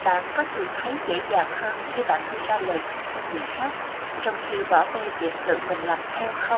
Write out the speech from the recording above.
bạn có thường thấy dễ dàng hơn khi đưa ra lời khuyên cho người khác trong khi bỏ bê việc tự mình làm theo không